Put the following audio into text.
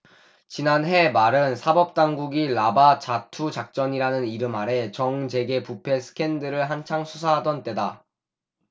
지난해 말은 사법 당국이 라바 자투 작전이라는 이름 아래 정 재계 부패 스캔들을 한창 수사하던 때다